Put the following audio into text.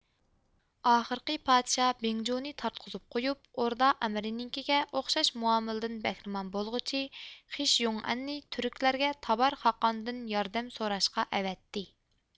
ئاخىرقى پادىشاھ بىڭجۇنى تارتقۇزۇپ قويۇپ ئوردا ئەمرىنىڭكىگە ئوخشاش مۇئامىلىدىن بەھرىمەن بولغۇچى خېشيۇڭئەننى تۈركلەرگە تابار خاقاندىن ياردەم سوراشقا ئەۋەتتى